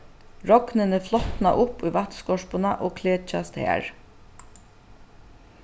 rognini flotna upp í vatnskorpuna og klekjast har